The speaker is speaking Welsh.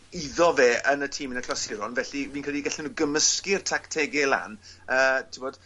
iddo fe yn y tîm yn y clasuron felly fi'n credu gallen gymysgu'r tactege lan yy t'mod